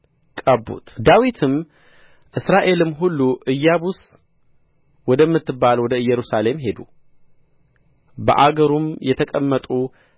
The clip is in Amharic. ቀቡት ዳዊትም እስራኤልም ሁሉ ኢያቡስ ወደምትባል ወደ ኢየሩሳሌም ሄዱ በአገሩም የተቀመጡ